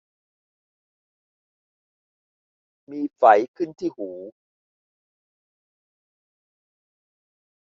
มีไฝขึ้นที่หู